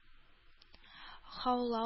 Һаулау